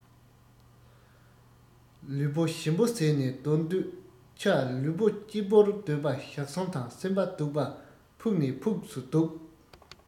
ལུས པོ ཞིམ པོ བཟས ནས སྡོད འདོད ཆ ལུས པོ སྐྱིད པོར སྡོད པ ཞག གསུམ དང སེམས པ སྡུག པ ཕུགས ནས ཕུགས སུ སྡུག